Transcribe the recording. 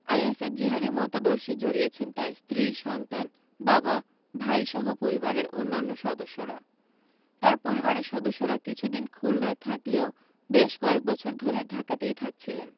আইএসের জিহাদি মতাদর্শে জড়িয়েছেন তাঁর স্ত্রী সন্তান বাবা ভাইসহ পরিবারের অন্য সদস্যরা তাঁর পরিবারের সদস্যরা কিছুদিন খুলনায় থাকলেও বেশ কয়েক বছর ধরে ঢাকাতেই থাকছিলেন